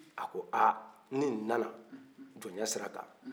a ko aa ni nin na na jɔnya sirakan